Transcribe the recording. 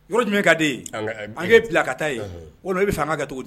Yɔrɔ jumɛn ka di e ye an ki bila ka taa yen . Walima e bi fɛ an ka kɛ cogo di ?